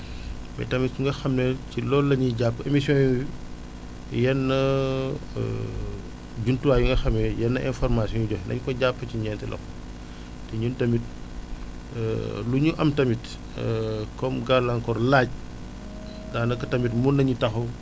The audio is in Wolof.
mais tamit fi nga xam ne ci loolu la ñuy jàpp émission yooyu yenn jumtuwaay yu nga xamee ni yenn information yu ñuy joxe nañu ko jàpp ci ñeenti loxo te ñun tamit lu ñu am tamit comme gàllankoor laaj daanaka tamit mun nañu taxaw